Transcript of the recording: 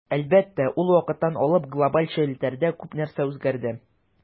Әлбәттә, ул вакыттан алып глобаль челтәрдә күп нәрсә үзгәрде.